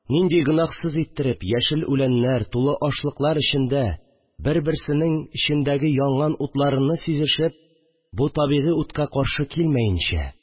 Нинди гөнаһсыз иттереп, яшел үләннәр, тулы ашлыклар эчендә бер-берсенең эчендәге янган утларыны сизешеп, бу табигый утка каршы килмәенчә